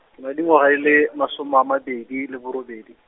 ke na le dingwaga e le, masome a mabedi le borobedi.